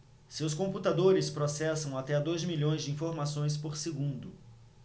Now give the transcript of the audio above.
seus computadores processam até dois milhões de informações por segundo